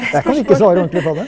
jeg kan ikke svare ordentlig på det.